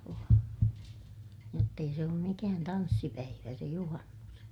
joo jotta ei se ole mikään tanssipäivä se juhannus